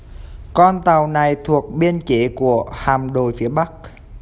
con tàu này thuộc biên chế của hạm đội phía bắc